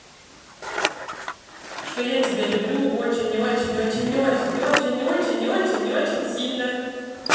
что я тебя люблю очень очень очень очень очень очень очень очень сильно